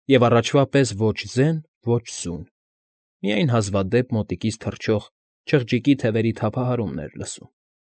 Եվ առաջվա պես ոչ ձեն, ոչ ձուն, միայն հազվադեպ մոտիկից թռչող չղջիկի թևերի թափահարումն էր լսում։